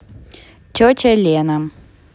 тетя лена